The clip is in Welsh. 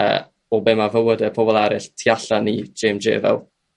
yy o be 'ma' fywyde pobol er'ill tu allan i je em je fel.